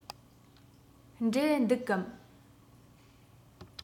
འབྲས འདུག གམ